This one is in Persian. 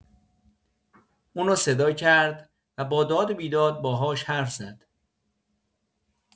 اونو رو صدا کرد و با داد و بیداد باهاش حرف زد.